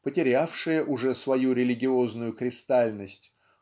потерявшее уже свою религиозную кристальность